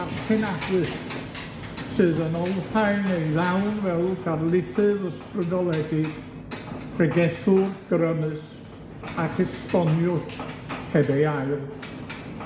ddarllenadwy, sydd yn olrhain ei ddawn fel darlithydd ysbrydoledig, pregethwr grymus, ac esboniwr heb ei ail.